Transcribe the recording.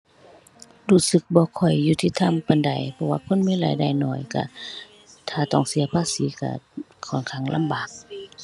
รู้สึกบ่ค่อยยุติธรรมปานใดเพราะว่าคนมีรายได้น้อยก็ ถ้าต้องเสียภาษีก็ ค่อนข้างลำบาก